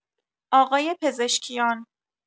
آقای پزشکیان